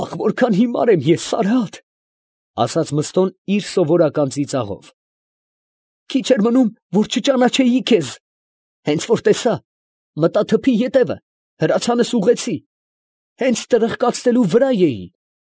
Ա՜խ, որքա՜ն հիմար եմ ես, Սարհատ, ֊ ասաց Մըստոն իր սովորական ծիծաղով. ֊ քիչ էր մնում, որ չճանաչեի քեզ. հենց որ տեսա, մտա թփի ետևը, հրացանս ուղղեցի… հենց տրխկացնելու վրա էի,